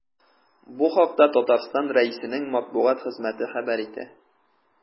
Бу хакта Татарстан Рәисенең матбугат хезмәте хәбәр итә.